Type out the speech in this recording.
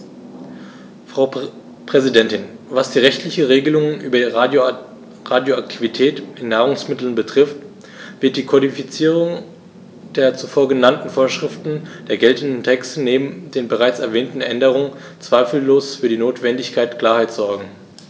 Frau Präsidentin, was die rechtlichen Regelungen über Radioaktivität in Nahrungsmitteln betrifft, wird die Kodifizierung der zuvor genannten Vorschriften der geltenden Texte neben den bereits erwähnten Änderungen zweifellos für die notwendige Klarheit sorgen.